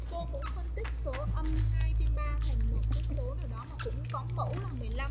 cô cũng phân tích số âm thành một cái số rồi đó mà cũng có mẫu là